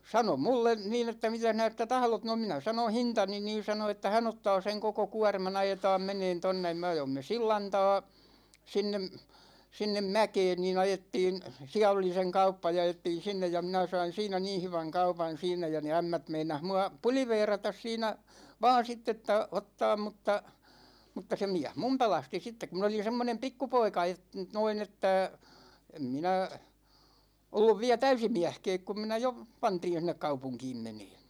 sanoi minulle niin että mitäs näistä tahdot no minä sanoin hintani niin sanoi että hän ottaa sen koko kuorman ajetaan menemään tuonne ja me ajoimme sillan taakse sinne sinne mäkeen niin ajettiin siellä oli sen kauppa ja ajettiin sinne ja minä sain siinä niin hyvän kaupan siinä ja ne ämmät meinasi minua puliveerata siinä vain sitten että ottaa mutta mutta se mies minun pelasti sitten kun minä olin semmoinen pikkupoika - noin että en minä ollut vielä täysi mieskään kun minä jo pantiin jo sinne kaupunkiin menemään